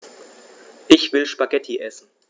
Ich will Spaghetti essen.